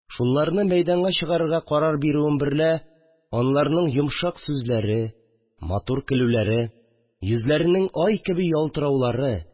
Шунларны мәйданга чыгарырга карар бирүем берлә, аларның йомшак сүзләре, матур көлүләре, йөзләренең ай кеби ялтыраулары